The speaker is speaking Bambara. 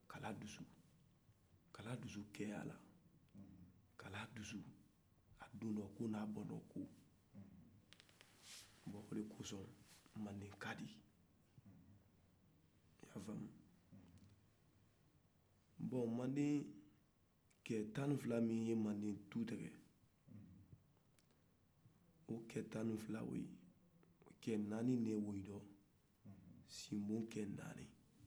k'a la dusu k'a la dusu cɛya la k'a la dusu a donko n'a bɔko bon odekɔsɔ manden kadi bɔn manden cɛ tan ni fila minnu ye manden tu tigɛ o cɛ tan ni fila olu cɛ naani de bɛ olu la sinbo cɛ naani